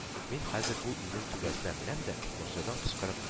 Мин хәзер бу өйнең түбәсенә менәм дә, морҗадан кычкырып